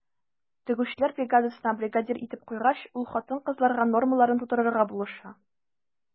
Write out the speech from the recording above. Тегүчеләр бригадасына бригадир итеп куйгач, ул хатын-кызларга нормаларын тутырырга булыша.